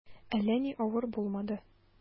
Әллә ни авыр булмады.